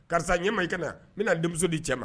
Karisa ɲɛ ma i ka na n bɛna na denmuso di cɛ ma